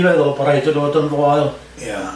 Swni'n feddwl bod raid iddyn n'w fod yn foel... Ia